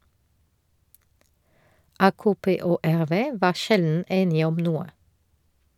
AKP og RV var sjelden enig om noe.